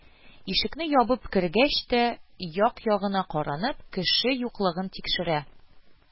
Ишекне ябып кергәч тә, як-ягына каранып, кеше юклыгын тикшерә